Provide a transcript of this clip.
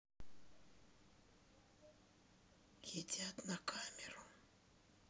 едят на камеру